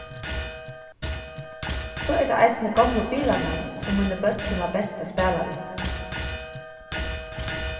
so er tað eisini gomlu bilarnar sum míni børn tíma best at spæla við